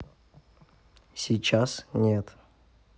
сейчас нет